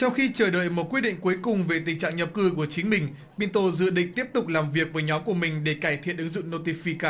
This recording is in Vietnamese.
trong khi chờ đợi một quyết định cuối cùng về tình trạng nhập cư của chính mình bin tô dự định tiếp tục làm việc với nhóm của mình để cải thiện ứng dụng nô ti phi ca